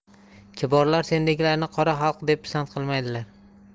kiborlar sendeklarni qora xalq deb pisand qilmaydilar